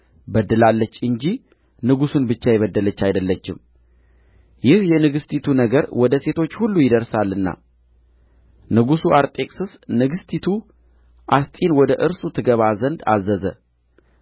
በድላለች እንጂ ንጉሡን ብቻ የበደለች አይደለችም ይህ የንግሥቲቱ ነገር ወደ ሴቶች ሁሉ ይደርሳልና ንጉሡ አርጤክስስ ንግሥቲቱ አስጢን ወደ እርሱ ትገባ ዘንድ አዘዘ